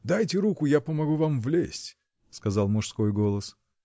Дайте руку, я помогу вам влезть! — сказал мужской голос.